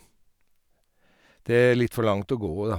Det er litt for langt å gå, da.